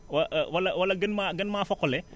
wa wala wala gën maa gën maa foqale